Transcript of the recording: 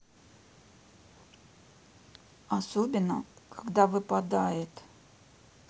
особенно когда выпадет